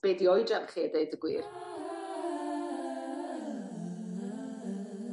be' 'di oedran chi a deud y gwir.